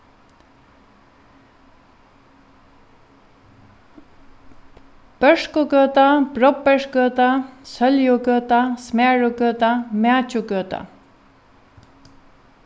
børkugøta brobbersgøta sóljugøta smærugøta mækjugøta